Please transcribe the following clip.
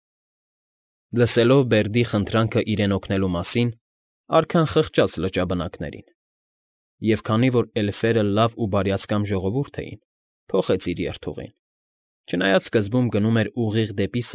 Լսելով Բերդի խնդրանքը իրենց օգնելու մասին՝ արքան խղճաց լճաբնակներին, և քանի որ էլֆերը լավ ու բարյացակամ ժողովուրդ էին, փոխեց իր երթուղին, չնայած սկզբում գնում էր ուղիղ դեպի։